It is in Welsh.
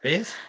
Beth?